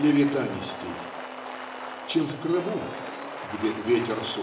левитанистей" (чем в Крыму где "ветер